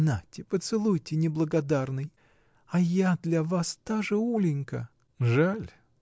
На-те, поцелуйте, неблагодарный! А я для вас та же Улинька! — Жаль!